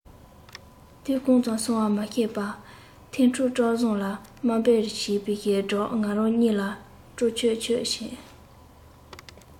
དུས གང ཙམ སོང བ མ ཤེས པར ཐན ཕྲུག བཀྲ བཟང ལ དམའ འབེབས བྱེད པའི སྒྲས ང རང གཉིད ལས དཀྲོགས ཁྱོད ཁྱོད ཁྱོད